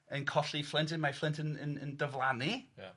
yn colli ei phlentyn, mae ei phlentyn yn yn yn diflannu. Ia.